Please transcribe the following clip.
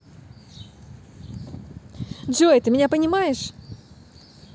джой ты меня понимаешь